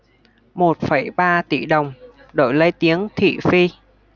một phẩy ba tỉ đồng đổi lấy tiếng thị phi